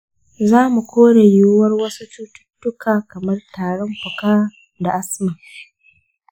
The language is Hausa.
za mu kore yiwuwar wasu cututtuka kamar tarin fuka da asma.